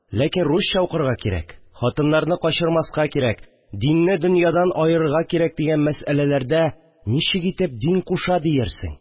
Ләкин русча укырга кирәк, хатыннарны качырмаска кирәк, динне дөньядан аэрырга кирәк мәсьәләләрендә ничек итеп дин куша диерсең